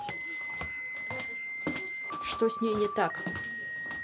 что с ней не так